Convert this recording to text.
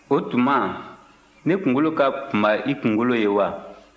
o tuma ne kunkolo ka kunba i kunkolo ye wa